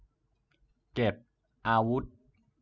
เก็บอาวุธ